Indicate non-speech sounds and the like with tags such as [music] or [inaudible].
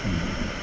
[hesitation] [hesitation] [noise]